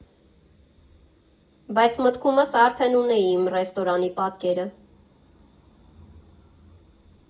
Բայց մտքումս արդեն ունեի իմ ռեստորանի պատկերը։